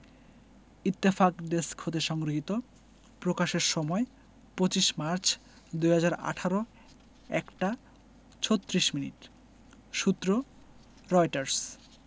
Ittefaq desk হতে সংগৃহীত প্রকাশের সময় ২৫মার্চ ২০১৮ ১ টা ৩৬ মিনিট সূত্রঃ রয়টার্স